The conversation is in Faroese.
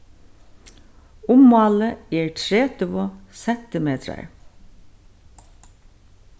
ummálið er tretivu sentimetrar